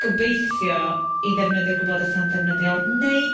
gobeithio i ddefnyddio'r gwybodeth 'na'n ddefnyddiol neu...